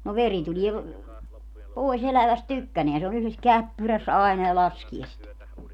no veri tulee pois elävästä tykkänään se on yhdessä käppyrässä aina ja laskee sitä